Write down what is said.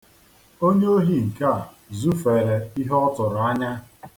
Onye ohi nke a zufere ihe ọ tụrụ anya.